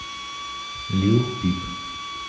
лил пип